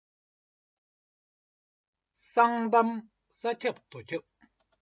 གསང གཏམ ས ཁྱབ རྡོ ཁྱབ